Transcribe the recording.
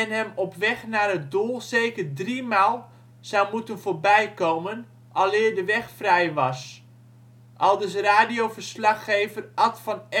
hem op weg naar het doel zeker driemaal zou moeten voorbij komen aleer de weg vrij was. " Radioverslaggever Ad van Emmenes